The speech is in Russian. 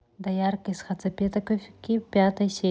доярка из хацапетовки пятая серия